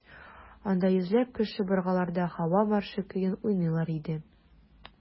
Анда йөзләп кеше быргыларда «Һава маршы» көен уйныйлар иде.